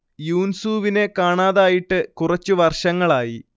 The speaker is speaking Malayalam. യൂൻസൂവിനെ കാണാതായിട്ട് കുറച്ചു വർഷങ്ങളായി